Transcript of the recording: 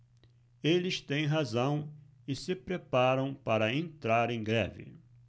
eles têm razão e se preparam para entrar em greve